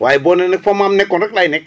waaye boo nee nag fa ma nekkoon rek laay nekk